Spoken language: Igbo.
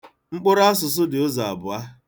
Mkpụrụasụsụ dị ụzọ abụọ.